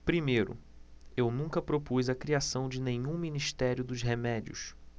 primeiro eu nunca propus a criação de nenhum ministério dos remédios